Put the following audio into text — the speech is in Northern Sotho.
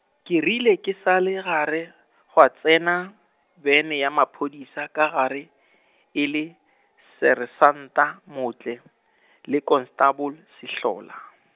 ke rile ke sa le gare, gwa tsena, bene ya maphodisa ka gare, e le Sersanta Motle, le kontsabol- Sehlola.